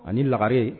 Ani lagare